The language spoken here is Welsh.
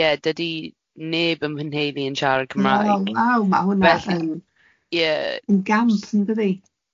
Ie dydi neb yn fy'nheulu'n siarad Cymraeg. Nawr nawr ma' hwnna felly yn gamp yn dydi? Ie.